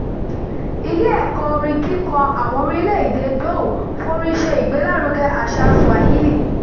Ilé-ẹ̀kọ́ Orin Kíkọ Àwọn Orílẹ̀-èdè Dhow f'orin ṣègbélárugẹ àṣàa Swahili